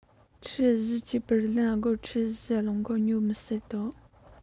ཁྲི ༤ ཀྱི པར ལེན སྒོར ཁྲི ༤ རླངས འཁོར ཉོ མི སྲིད དོ